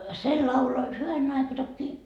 se lauloi hyvänen aika tokiin